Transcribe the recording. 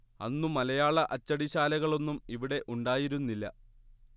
അന്നു മലയാള അച്ചടിശാലകളൊന്നും ഇവിടെ ഉണ്ടായിരുന്നില്ല